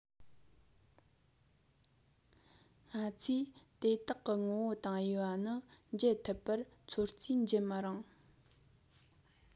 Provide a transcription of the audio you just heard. ང ཚོས དེ དག གི ངོ བོ དང དབྱེ བ ནི འབྱེད ཐུབ པར ཚོད རྩིས བགྱི མི རུང